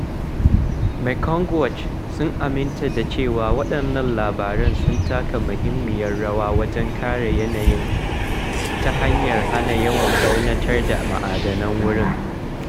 Mekong Watch sun aminta da cewa waɗannan labaran "sun taka muhimmiyar rawa wajen kare yanayi ta hanyar hana yawan ɓarnatar da ma'adanan wurin."